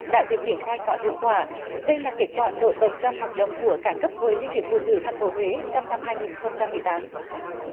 đã được triển khai có hiệu quả đây là kết quả nổi bật trong hoạt động của các cấp hội liên hiệp phụ nữ thành phố huế trong năm hai nghìn không trăm mười tám